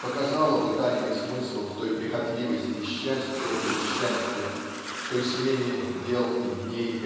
показало бы тайный смысл в той прихотливости счастья и несчастья в той смене дел и дней